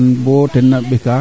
te ref o ñar quoi